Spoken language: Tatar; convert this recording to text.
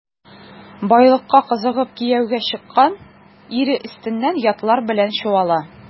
Байлыкка кызыгып кияүгә чыккан, ире өстеннән ятлар белән чуала.